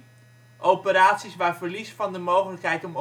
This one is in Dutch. Operaties waar verlies van de mogelijkheid